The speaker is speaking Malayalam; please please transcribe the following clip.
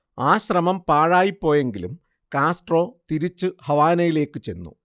ആ ശ്രമം പാഴായിപോയെങ്കിലും കാസ്ട്രോ തിരിച്ചു ഹവാനയിലേക്കു ചെന്നു